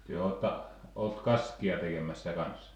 te olette ollut kaskia tekemässä kanssa